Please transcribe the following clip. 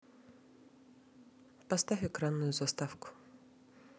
поставь экранную заставку